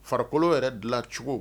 Farikolo yɛrɛ dilancogo